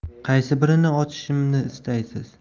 qaysi birini ochishimni istaysiz